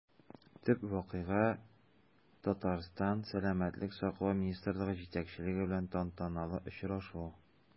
Төп вакыйга – Татарстан сәламәтлек саклау министрлыгы җитәкчелеге белән тантаналы очрашу.